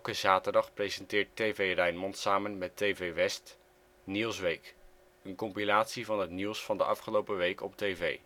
zaterdag presenteert TV Rijnmond samen met TV West: Nieuwsweek, een compilatie van het nieuws van de afgelopen week op tv.